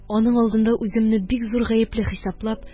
Аның алдында үземне бик зур гаепле хисаплап